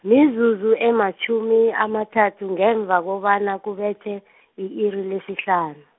mizuzu ematjhumi amathathu ngemva kobana kubethe , i-iri lesihlanu.